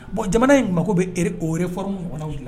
Bon jamana in mako bɛ o fw la